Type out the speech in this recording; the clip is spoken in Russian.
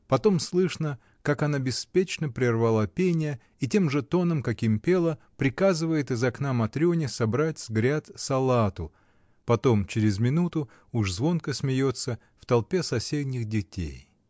потом слышно, как она беспечно прервала пение и тем же тоном, каким пела, приказывает из окна Матрене собрать с гряд салату, потом через минуту уж звонко смеется в толпе соседних детей.